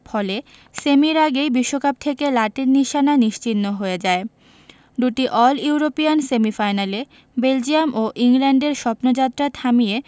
ফলে সেমির আগেই বিশ্বকাপ থেকে লাতিন নিশানা নিশ্চিহ্ন হয়ে যায় দুটি অল ইউরোপিয়ান সেমিফাইনালে বেলজিয়াম ও ইংল্যান্ডের স্বপ্নযাত্রা থামিয়ে